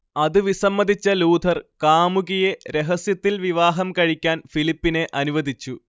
അതു വിസമ്മതിച്ച ലൂഥർ കാമുകിയെ രഹസ്യത്തിൽ വിവാഹം കഴിക്കാൻ ഫിലിപ്പിനെ അനുവദിച്ചു